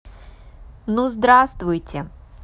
ну здравствуйте